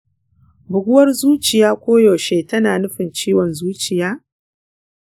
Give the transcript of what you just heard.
bugawar zuciya koyaushe tana nufin ciwon zuciya?